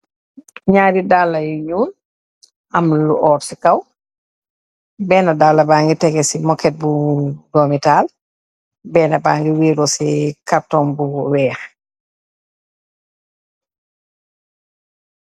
Naari dalla yu ñu am lu oor ci kaw benn dalla ba ngi tegé ci moket bu gomitaal benn ba ngi wéiro ci cartom bu wéex.